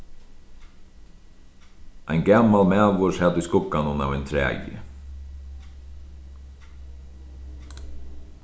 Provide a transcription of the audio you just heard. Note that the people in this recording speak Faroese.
ein gamal maður sat í skugganum av einum træi